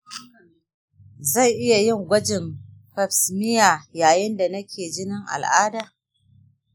zan iya yin gwajin pap smear yayin da nake jinin al’ada?